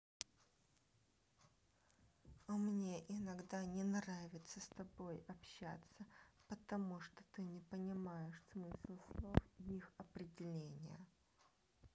а мне иногда не нравится с тобой общаться потому что ты не понимаешь смысл слов и их определения